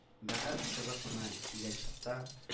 Бәхәс кызып кына килгән чакта